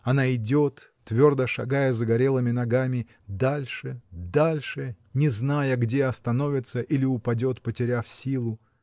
Она идет, твердо шагая загорелыми ногами, дальше, дальше, не зная, где остановится или упадет, потеряв силу.